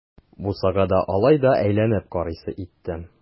Бусагада алай да әйләнеп карыйсы иттем.